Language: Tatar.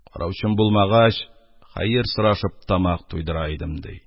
Караучым булмагач, хәер сорашып тамак туйдыра идем, — ди.